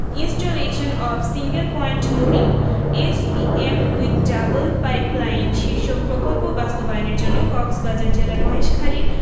installation of single point mooring SPM with double pipeline শীর্ষক প্রকল্প বাস্তবায়নের জন্য কক্সবাজার জেলার মহেশখালীর